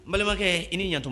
Balimakɛ i ni ɲtɔ